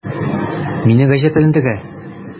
Мине гаҗәпләндерә: